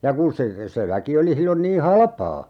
ja kun se se väki oli silloin niin halpaa